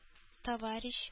Товарищ